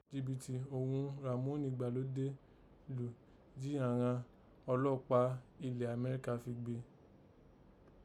Jìbìtì òghun Ràmónì ìgbàlódé lù jí àghan ọlọ́ọ̀pàá ilẹ̀ Amẹ́ríkà fi gbé